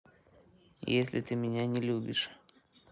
если ты меня не любишь